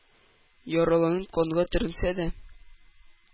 Яраланып канга төренсә дә,